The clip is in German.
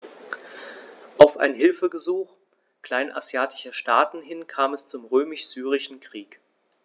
Auf ein Hilfegesuch kleinasiatischer Staaten hin kam es zum Römisch-Syrischen Krieg.